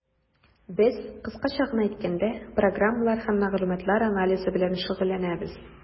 Без, кыскача гына әйткәндә, программалар һәм мәгълүматлар анализы белән шөгыльләнәбез.